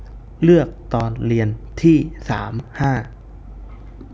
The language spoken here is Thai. เลือกตอนเรียนที่สามห้า